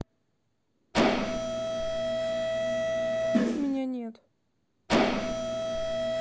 у меня нет